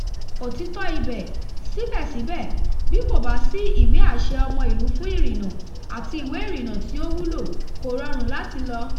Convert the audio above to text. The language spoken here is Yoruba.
Òtítọ́ ibẹ̀, síbẹ̀síbẹ̀, bí kò bá sí ìwé-àṣẹ-ọmọìlú-fún-ìrìnnà àti ìwé ìrìnnà tí ó wúlò, kò rọrùn láti lò.